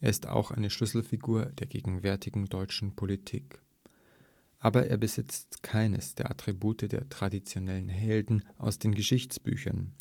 Er ist auch eine Schlüsselfigur der gegenwärtigen deutschen Politik. Aber er besitzt keines der Attribute der traditionellen Helden aus den Geschichtsbüchern